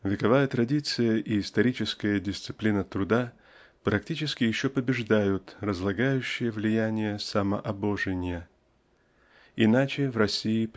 Вековая традиция и историческая дисциплина труда практически еще побеждают разлагающее влияние самообожения. Иначе в России